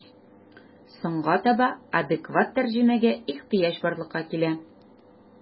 Соңга таба адекват тәрҗемәгә ихҗыяҗ барлыкка килә.